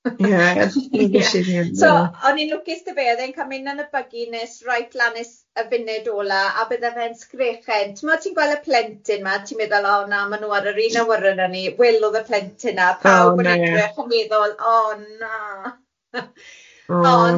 Ie. So o'n i'n lwcus dyfe o'dd e'n cal mynd yn y buggy nes right lan nes y funud ola a bydde fe'n sgrechen, timod ti'n gweld y plentyn ma a ti'n meddwl o na ma nhw ar yr un awyren â ni Wil odd y plentyn na pawb yn edrych yn meddwl o na ond,